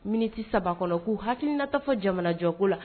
Mini 3 kɔnɔ ku hakilina ta fɔ jamanajɔ ko la.